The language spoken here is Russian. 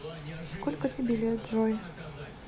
сколько тебе лет джой